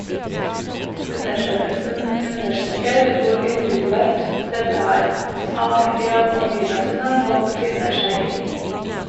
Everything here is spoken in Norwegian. - Undersøkelsen understreker hvor individuelt dette er, avhengig av omgivelsene folk befinner seg i.